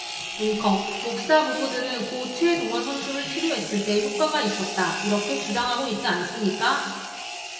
앵커 목사 부부들은 고 최동원 선수를 치료했을 때 효과가 있었다 이렇게 주장하고 있지 않습니까